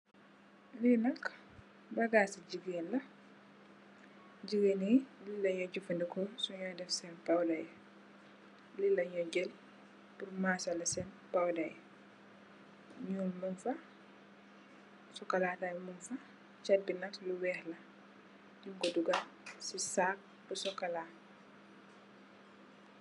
Li nak bagassi gigain la gigani li lenyo jefandeko sunyo deff sen powder yi li lanyo jell masaleh sen powder yi nyuul mungfa sokola tamit mungfa chaat bi nak lu weih la nyungko dugal sey sack bu sokola